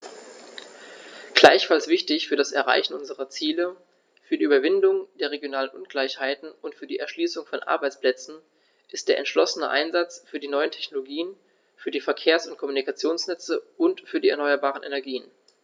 Gleichfalls wichtig für das Erreichen unserer Ziele, für die Überwindung der regionalen Ungleichheiten und für die Erschließung von Arbeitsplätzen ist der entschlossene Einsatz für die neuen Technologien, für die Verkehrs- und Kommunikationsnetze und für die erneuerbaren Energien.